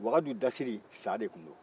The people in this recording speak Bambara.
wagadu dasiri sa de tun don